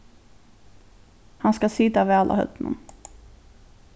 hann skal sita væl á høvdinum